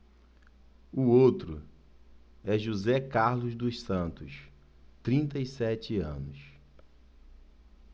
o outro é josé carlos dos santos trinta e sete anos